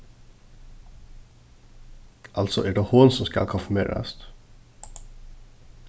altso er tað hon sum skal konfirmerast